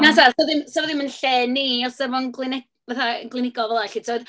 Na 'sa. 'Sa ddim 'sa fo ddim yn lle ni, os 'sa fo'n glinig- fatha yn glinigol fela, 'lly tibod?